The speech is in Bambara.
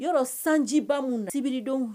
Yɔrɔ sanjiba minnu sibiridenw